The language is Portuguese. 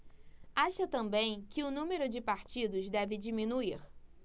acha também que o número de partidos deve diminuir